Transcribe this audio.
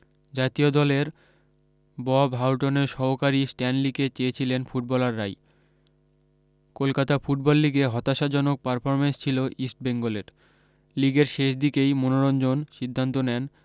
জাতীয় দলের বব হাউটনের সহকারী স্ট্যানলিকে চেয়েছিলেন ফুটবলাররাই কলকাতা ফুটবল লিগে হতাশাজনক পারফরম্যান্স ছিল ইস্টবেঙ্গলের লিগের শেষ দিকেই মনোরঞ্জন সিদ্ধান্ত নেন